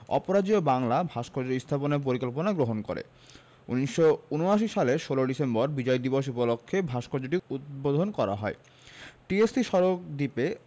অপরাজেয় বাংলা ভাস্কর্য স্থাপনের পরিকল্পনা গ্রহণ করে ১৯৭৯ সালের ১৬ ডিসেম্বর বিজয় দিবস উপলক্ষে ভাস্কর্যটি উদ্বোধন করা হয় টিএসসি সড়ক দ্বীপে